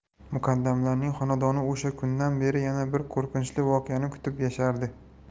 muqaddamlarning xonadoni o'sha kundan beri yana bir qo'rqinchli voqeani kutib yashardi